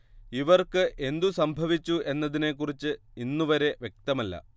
ഇവർക്ക് എന്തു സംഭവിച്ചു എന്നതിനെക്കുറിച്ച് ഇന്നുവരെ വ്യക്തമല്ല